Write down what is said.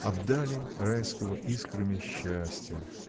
обдали Райского искрами счастья.